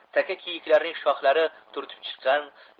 taka kiyiklarning shoxlari turtib chiqqan